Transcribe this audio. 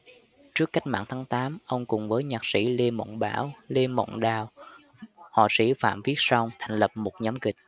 trước cách mạng tháng tám ông cùng với nhạc sĩ lê mộng bảo lê mộng đào họa sĩ phạm viết song thành lập một nhóm kịch